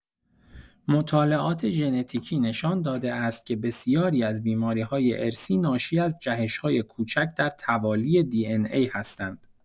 مطالعات ژنتیکی نشان داده است که بسیاری از بیماری‌های ارثی ناشی از جهش‌های کوچک در توالی دی‌ان‌ای هستند.